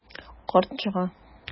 Карт чыга.